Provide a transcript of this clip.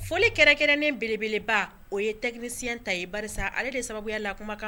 Foli kɛlɛkɛrɛnnen belebeleba o ye tɛksiyɛn ta ye ba ale de sababuya la kumakan